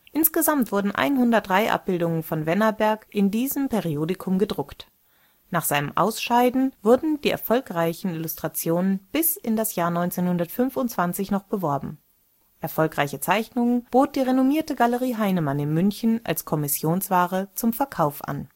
Insgesamt wurden 103 Abbildungen von Wennerberg in diesem Periodikum gedruckt. Nach seinem Ausscheiden wurden die erfolgreichen Illustrationen bis in das Jahr 1925 noch beworben. Erfolgreiche Zeichnungen bot die renommierte Galerie Heinemann in München als Kommissionsware zum Verkauf an